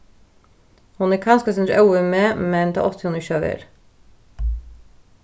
hon er kanska eitt sindur óð við meg men tað átti hon ikki at verið